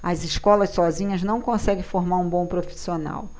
as escolas sozinhas não conseguem formar um bom profissional